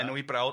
Enw ei brawd